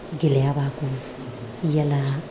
Gɛlɛya b'a kɔnɔ yala